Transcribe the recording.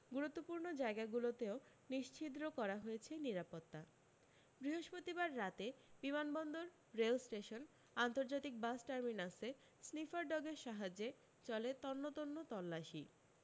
গুরুত্বপূর্ণ জায়গাগুলোতে নিশ্ছিদ্র করা হয়েছে নিরাপত্তা বৃহস্পতিবার রাতে বিমান বন্দর রেল স্টেশন আন্তর্জাতিক বাস টারমিনাসে স্নিফার ডগের সাহায্যে চলে তন্নতন্ন তল্লাশি